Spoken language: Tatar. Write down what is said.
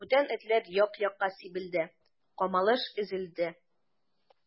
Бүтән этләр як-якка сибелде, камалыш өзелде.